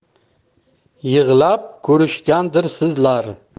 yig'lab ko'rishgandirsizlar